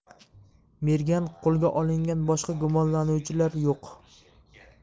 mergan qo'lga olingan boshqa gumonlanuvchilar yo'q